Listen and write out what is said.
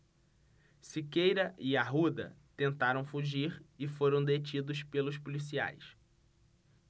siqueira e arruda tentaram fugir e foram detidos pelos policiais